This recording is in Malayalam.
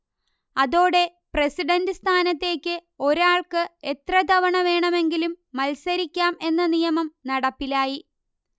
അതോടെ പ്രസിഡന്റ് സ്ഥാനത്തേക്ക് ഒരാൾക്ക് എത്രതവണ വേണമെങ്കിലും മത്സരിക്കാം എന്ന നിയമം നടപ്പിലായി